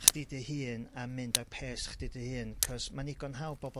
chdi dy hun a mynd ar pace chdi dy hun. 'C'os mae'n igon hawdd bobol